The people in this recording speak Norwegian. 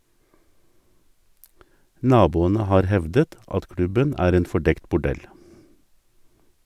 Naboene har hevdet at klubben er en fordekt bordell.